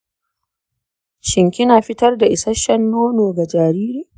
shin kina fitar da isasshen nono ga jariri?